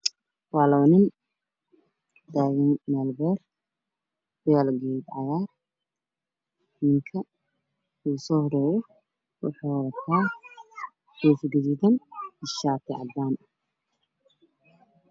Waa laba nin oo taagan nin ayuu durayaa ninka kale wuxuu wataa shati cadaan geed cagaar ayaa ka dambeeya